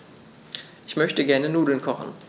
Ich möchte gerne Nudeln kochen.